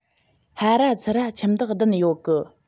ཧར ར ཚུར ར ཁྱིམ ཚང བདུན ཡོད གི